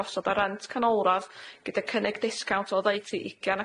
gosod ar rent canolradd gyda cynnig discawnt oddeutu ugian